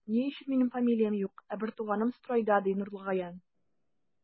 Ни өчен минем фамилиям юк, ә бертуганым стройда, ди Нурлыгаян.